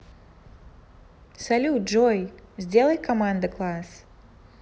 салют джой сделай команда класс